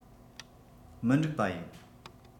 མི འགྲིག པ ཡིན